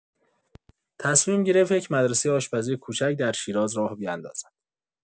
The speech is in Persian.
تصمیم گرفت یک مدرسه آشپزی کوچک در شیراز راه بیندازد.